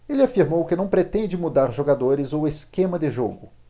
ele afirmou que não pretende mudar jogadores ou esquema de jogo